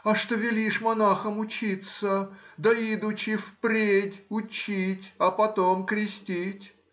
— А что велишь монахам учиться, да идучи вперед учить, а потом крестить